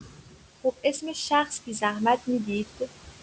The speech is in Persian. خب اسم شخص بی‌زحمت می‌گید